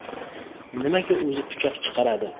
nimaga uzi pichoq chiqaradi